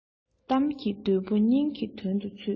གཏམ གྱི བདུད པོ སྙིང གི དོན དུ ཚུད